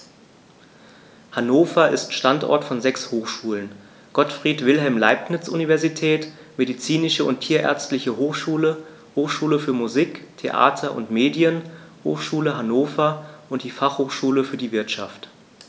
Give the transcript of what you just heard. Hannover ist Standort von sechs Hochschulen: Gottfried Wilhelm Leibniz Universität, Medizinische und Tierärztliche Hochschule, Hochschule für Musik, Theater und Medien, Hochschule Hannover und die Fachhochschule für die Wirtschaft.